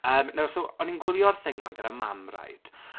Yym nawr so o'n i'n gwylio'r thing 'ma gyda mam right.